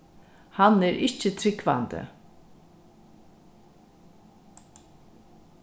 hann er ikki trúgvandi